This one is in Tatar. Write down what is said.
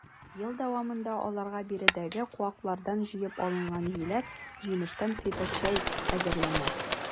Ел дәвамында аларга биредәге куаклардан җыеп алынган җиләк-җимештән фиточәй әзерләнә.